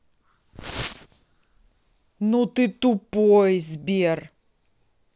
ну ты тупой сбер